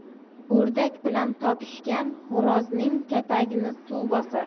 o'rdak bilan topishgan xo'rozning katagini suv bosar